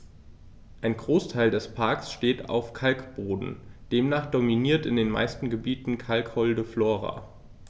Ein Großteil des Parks steht auf Kalkboden, demnach dominiert in den meisten Gebieten kalkholde Flora.